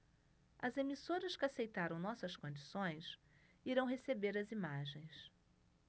as emissoras que aceitaram nossas condições irão receber as imagens